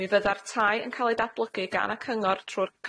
Mi fydda'r tai yn cael 'i datblygu gan y cyngor trwy'r